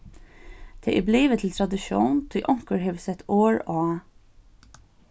tað er blivið til traditión tí onkur hevur sett orð á